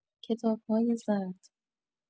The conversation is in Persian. کتاب‌های زرد